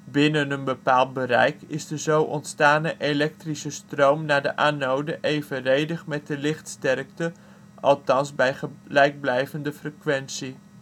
Binnen een bepaald bereik is de zo ontstane elektrische stroom naar de anode evenredig met de lichtsterkte (althans bij gelijkblijvende frequentie